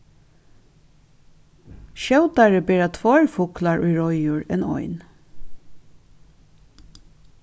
skjótari bera tveir fuglar í reiður enn ein